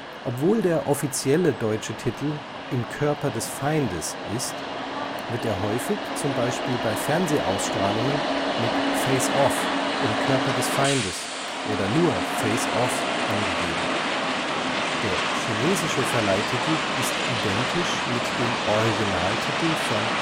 Obwohl der offizielle deutsche Titel Im Körper des Feindes ist, wird er häufig (z. B. bei Fernsehausstrahlungen) mit Face/Off – Im Körper des Feindes oder nur Face/Off angegeben. Der chinesische Verleihtitel ist identisch mit dem Originaltitel von